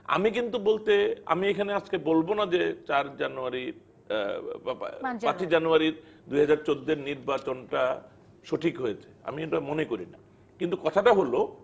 আমি কিন্তু বলতে আমি এখানে বলব না যে ৪ জানুয়ারি পাঁচই জানুয়ারি ২০১৪ নির্বাচন টা সঠিক হয়েছে এটা মনে করি না কিন্তু কথাটা হল